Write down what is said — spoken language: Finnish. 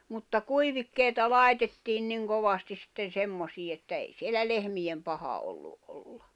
mutta kuivikkeita laitettiin niin kovasti sitten semmoisiin että ei siellä lehmien paha ollut olla